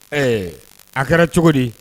Ɛɛ a kɛra cogo di